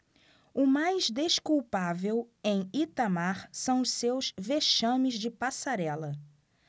o mais desculpável em itamar são os seus vexames de passarela